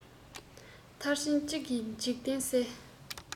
མཐར ཕྱིན གཅིག གིས འཇིག རྟེན གསལ